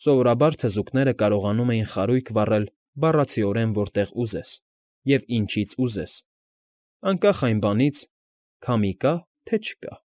Սովորաբար թզուկները կարողանում էին խարույկ վառել բառացիորեն որտեղ ուզես և ինչից ուզես, անկախ այն բանից՝ քամի կա՞ թե չկա։